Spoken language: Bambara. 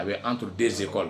A bɛ anto dense kɔ